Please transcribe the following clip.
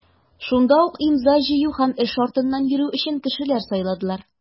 Шунда ук имза җыю һәм эш артыннан йөрү өчен кешеләр сайладылар.